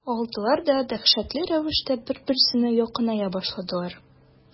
Алдылар да дәһшәтле рәвештә бер-берсенә якыная башладылар.